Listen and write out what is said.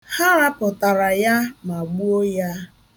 Ha rapụtara ya ma gbuo ya.